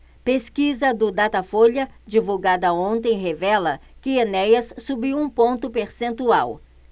pesquisa do datafolha divulgada ontem revela que enéas subiu um ponto percentual